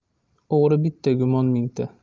o'g'ri bitta gumon mingta